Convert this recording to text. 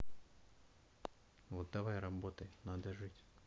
вот давай работай надо жить